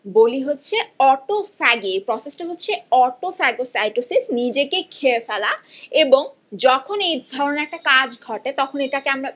বলি হচ্ছে অটোফ্যাগি এ প্রসেসটা হচ্ছে অটো ফ্যাগোসাইটোসিস নিজেকে খেয়ে ফেলা এবং যখন এই ধরনের একটা কাজ ঘটে তখন এটাকে আমরা